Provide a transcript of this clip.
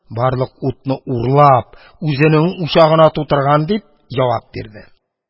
Барлык утны урлап, үзенең учагына тутырган, – дип җавап бирде.